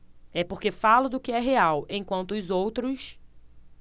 é porque falo do que é real enquanto os outros